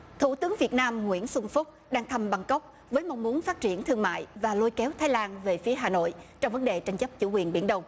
thủ tướng việt nam nguyễn xuân phúc đang thăm băng cốc với mong muốn phát triển thương mại và lôi kéo thái lan về phía hà nội trong vấn đề tranh chấp chủ quyền biển đông